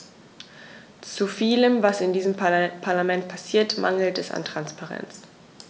Zu vielem, was in diesem Parlament passiert, mangelt es an Transparenz.